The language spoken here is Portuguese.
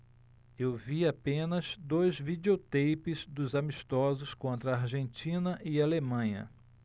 eu vi apenas dois videoteipes dos amistosos contra argentina e alemanha